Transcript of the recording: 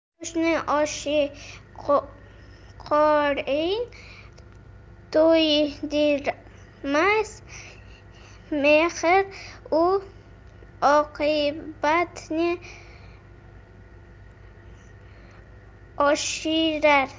qo'shni oshi qorin to'ydirmas mehr u oqibatni oshirar